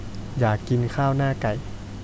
อยากกินข้าวหน้าไก่